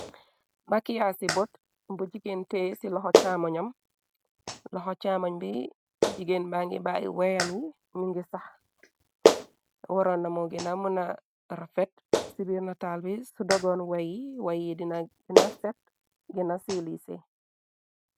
Makiya ci bot bu jigéen tee ci loxo caamoñam loxo caamoñ bi jigéen ba ngi bày weyam i ñu ngi sax waroon namo gina muna rafet ci biir na tal bi ci dogoon weyi wayi dina gina set gina siwliise.